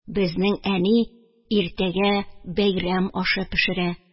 Безнең әни иртәгә бәйрәм ашы пешерә.